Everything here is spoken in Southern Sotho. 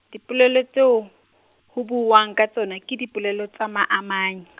dipolelo tseo, ho buuwang ka tsona ke dipolelo tsa maamanyi.